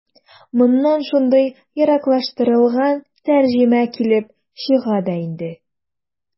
Моннан шундый яраклаштырылган тәрҗемә килеп чыга да инде.